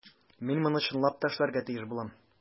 Мин моны чынлап та эшләргә тиеш булам.